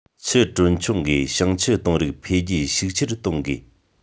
ཆུ གྲོན ཆུང གིས ཞིང ཆུ གཏོང རིགས འཕེལ རྒྱས ཤུགས ཆེན གཏོང དགོས